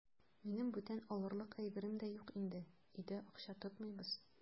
Минем бүтән алырлык әйберем дә юк инде, өйдә акча тотмыйбыз.